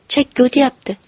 chakka o'tyapti